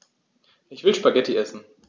Ich will Spaghetti essen.